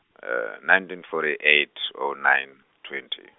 ninteen forty eight, oh nine, twenty.